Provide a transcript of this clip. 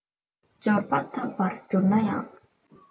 འབྱོར པ ཐོབ པར གྱུར ན ཡང